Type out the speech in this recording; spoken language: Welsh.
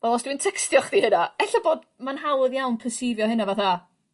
Fel os dwi'n tecstio chdi hynna ella bod... Ma' hawdd iawn persifio hynna fatha